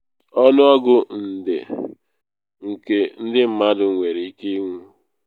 Ọnụọgụ nde nke ndị mmadụ nwere ike ịnwụ.